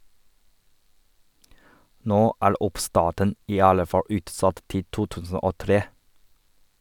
Nå er oppstarten i alle fall utsatt til 2003.